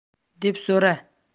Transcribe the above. deb so'ra